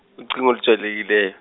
ucingo olujwayelekileyo.